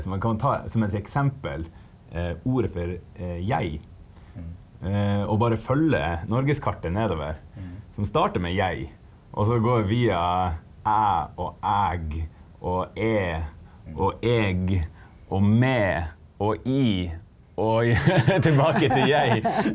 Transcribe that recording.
så man kan jo ta som et eksempel ordet for jeg og bare følge norgeskartet nedover som starter med jeg og som går via jeg og jeg og jeg og jeg og meg og jeg og tilbake til jeg .